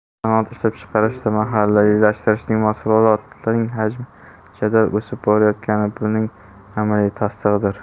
sanoat ishlab chiqarishida mahalliylashtirilgan mahsulotlar hajmining jadal o'sib borayotgani buning amaliy tasdig'idir